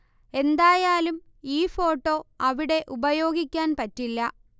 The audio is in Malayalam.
എന്തായാലും ഈ ഫോട്ടോ അവിടെ ഉപയോഗിക്കാൻ പറ്റില്ല